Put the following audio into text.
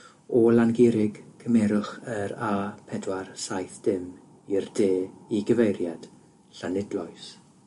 O Langurig cymerwch yr a pedwar saith dim i'r de i gyfeiriad Llanidloes